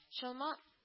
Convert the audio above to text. Чалма